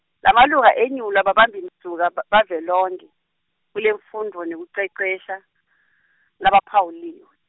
Lamalunga enyulwa babambimsuka ba- bavelonkhe, kutemfundvo nekucecesha, labaphawuliwe.